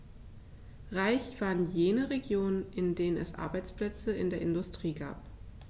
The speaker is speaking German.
Reich waren jene Regionen, in denen es Arbeitsplätze in der Industrie gab.